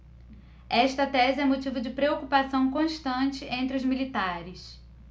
esta tese é motivo de preocupação constante entre os militares